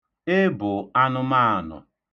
Ị bụ anụmaanụ.